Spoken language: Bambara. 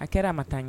A kɛra ma taa ye